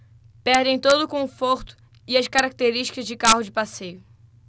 perdem todo o conforto e as características de carro de passeio